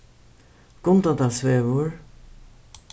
gundadalsvegur